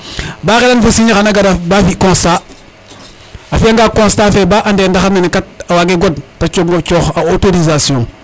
ba xelan fo signer xana gar ba fi constat a fiya nga constat fe ba ande ndaxar nene kat a wage god te sog nga coɗ a autorisation